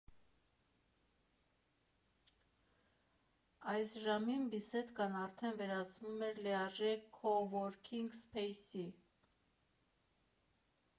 Այս ժամին «Բիսեդկան» արդեն վերածվում էր լիարժեք քոուորքինգ սփեյսի։